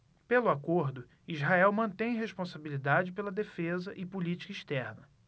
pelo acordo israel mantém responsabilidade pela defesa e política externa